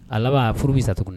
A laban a furu bi sa tuguni